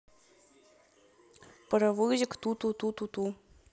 паровозик ту ту ту ту